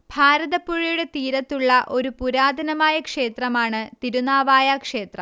ഭാരതപ്പുഴയുടെ തീരത്തുള്ള ഒരു പുരാതനമായ ക്ഷേത്രമാണ് തിരുനാവായ ക്ഷേത്രം